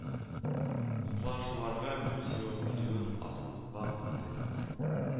Мутлашуларына күз йомып килүен ассызыклап үтте